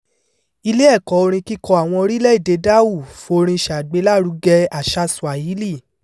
Ilé-ẹ̀kọ́ Orin Kíkọ Àwọn Orílẹ̀-èdè Dhow f'orin ṣègbélárugẹ àṣàa Swahili